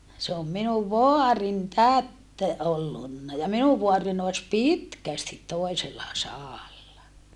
se on minun vaarin täti ollut ja minun vaarini olisi pitkästi toisella sadalla